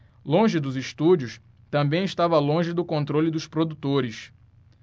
longe dos estúdios também estava longe do controle dos produtores